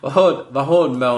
ma' hwn, ma' hwn mewn, ma' hwn